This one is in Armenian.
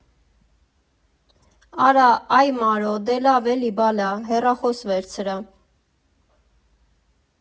Արա, այ Մարո, դե լավ էլի բալա, հեռախոս վերցրա։